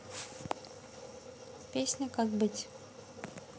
песня как быть